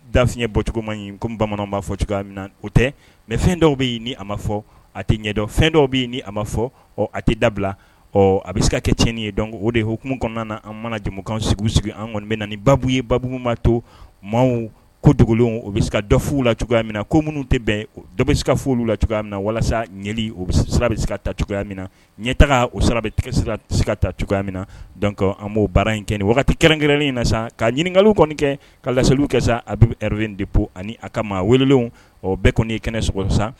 Dafiɲɛ bɔcogoma ɲi ko bamananw b'a fɔ cogoya min na o tɛ mɛ fɛn dɔw bɛ ɲini nin a ma fɔ a tɛ ɲɛdɔn fɛn dɔw bɛ a ma fɔ ɔ a tɛ dabila ɔ a bɛ se ka kɛcɲɛni ye dɔn o de ye hkumu kɔnɔna an mana jamumukan sigi sigi an kɔni bɛ na babu ye baabuguma to maaw kotigiwlen o bɛ se ka dɔ fwu la cogoyaya minɛ na ko minnu tɛ bɛn dɔ bɛ se ka f' olu la cogoya min na walasa ɲɛli o bɛ sira bɛ se ka ta cogoyaya min na ɲɛ taga o sara bɛ tigasira se ka ta cogoyaya min na dɔn an b'o baara in kɛ waati kɛrɛnnen in na sisan ka ɲininkakali kɔni kɛ ka lasli kɛ sa a de ko ani a ka maa welelen bɛɛ kɔni ye kɛnɛ s sa